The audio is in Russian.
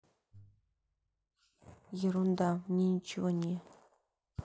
ерунда мне ничего не